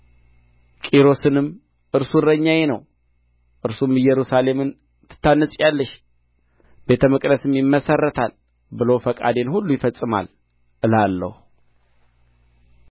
ቂሮስንም እርሱ እረኛዬ ነው እርሱም ኢየሩሳሌምን ትታነጺያለሽ ቤተ መቅደስም ይመሠረታል ብሎ ፈቃዴን ሁሉ ይፈጽማል እላለሁ